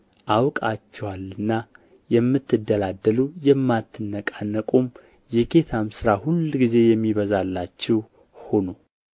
አውቃችኋልና የምትደላደሉ የማትነቃነቁም የጌታም ሥራ ሁልጊዜ የሚበዛላችሁ ሁኑ